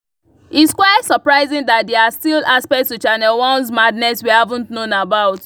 It’s quite surprising that there are still aspects to Channel One’s madness we haven’t known about.